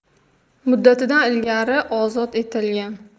muddatidan ilgari ozod etilgan